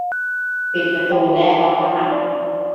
ปิดประตูและล็อกรหัส